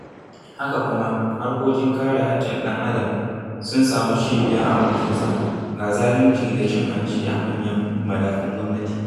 Haka kuma, harkokin kare haƙƙin ɗan'adam sun samu cibaya a mulkinsa, ga zalunci da cin hanci a manyan madafun gwamnati.